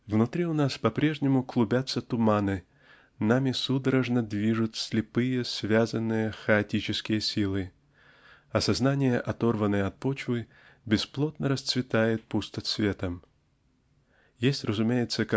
Внутри у нас по-прежнему клубятся туманы нами судорожно движут слепые связанные хаотические силы а сознание оторванное от почвы бесплодно расцветает пустоцветом. Есть разумеется